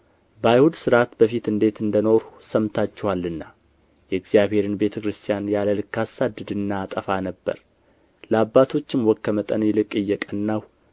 በአይሁድ ሥርዓት በፊት እንዴት እንደ ኖርሁ ሰምታችኋልና የእግዚአብሔርን ቤተ ክርስቲያን ያለ ልክ አሳድድና አጠፋ ነበር ለአባቶችም ወግ ከመጠን ይልቅ እየቀናሁ